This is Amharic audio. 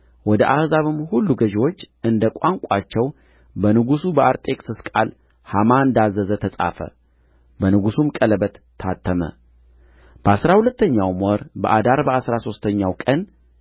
ወደ አሕዛብም ሁሉ ገዢዎች እንደ ቋንቋቸው በንጉሡ በአርጤክስስ ቃል ሐማ እንዳዘዘ ተጻፈ በንጉሡም ቀለበት ታተመ በአሥራ ሁለተኛው ወር በአዳር በአሥራ ሦስተኛው ቀን